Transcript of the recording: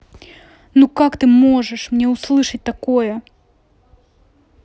ну как ты можешь мне услышать такое